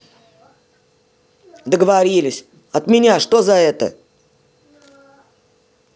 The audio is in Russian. договорились от меня что за это